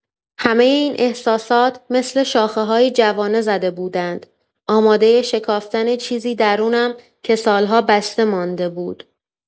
همۀ این احساسات مثل شاخه‌هایی جوانه‌زده بودند، آمادۀ شکافتن چیزی درونم که سال‌ها بسته مانده بود.